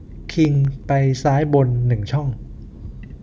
คิงไปซ้ายบนหนึ่งช่อง